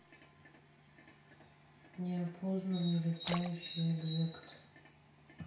неопознанный летающий объект